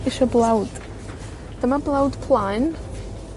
isio blawd, dyma blawd plaen.